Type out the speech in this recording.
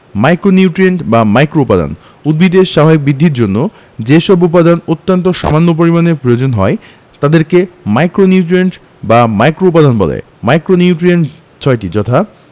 micronutrient বা মাইক্রোউপাদান উদ্ভিদের স্বাভাবিক বৃদ্ধির জন্য যেসব উপাদান অত্যন্ত সামান্য পরিমাণে প্রয়োজন হয় তাদেরকে মাইক্রোনিউট্রিয়েন্ট বা মাইক্রোউপাদান বলে মাইক্রোনিউট্রিয়েন্ট ৬টি যথা